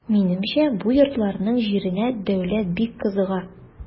Минемчә бу йортларның җиренә дәүләт бик кызыга.